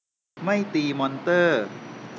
ไม่ตีมอนเตอร์